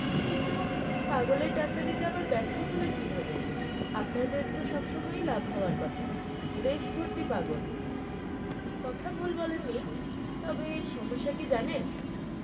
কিন্তু পাগলের ডাক্তারিতে আবার ব্যর্থ হলেন কীভাবে আপনাদের তো সব সময়ই লাভ হওয়ার কথা দেশভর্তি পাগল... কথা ভুল বলেননি তবে সমস্যা কি জানেন